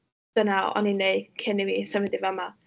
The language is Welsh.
Dyna o'n i'n wneud cyn i fi symud i fama.